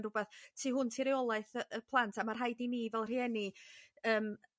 r'wbath tu hwnt i reolaeth y plant a ma' rhaid i ni fel rhieni yym